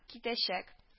Китәчәк